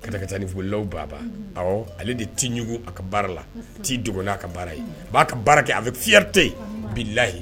Kɛnɛ ka ni folilaw bababa ale de'ugu a ka baara la' dɔgɔngnaa ka baara ye a b'a ka baara kɛ a bɛ firete bi layi